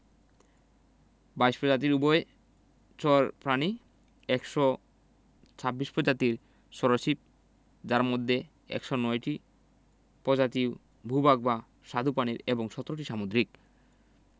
২২ প্রজাতির উভয়চর প্রাণী ১২৬ প্রজাতির সরীসৃপ যার মধ্যে ১০৯টি প্রজাতি ভূ ভাগ বা স্বাদুপানির এবং ১৭টি সামুদ্রিক